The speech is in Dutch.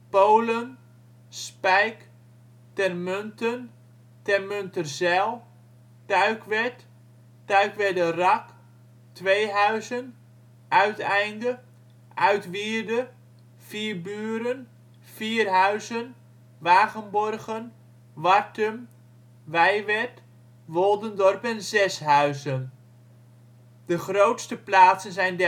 Polen, Spijk, Termunten, Termunterzijl, Tuikwerd, Tuikwerderrak, Tweehuizen, Uiteinde, Uitwierde, Vierburen, Vierhuizen, Wagenborgen, Wartum, Weiwerd, Woldendorp en Zeshuizen. De grootste plaatsen zijn